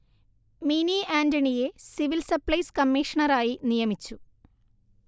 mini ആന്റണിയെ civil supplies കമീഷണറായി നിയമിച്ചു